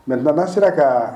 Mɛtna sira kan